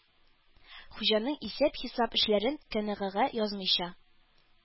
Хуҗаның исәп-хисап эшләрен кенәгәгә язмыйча,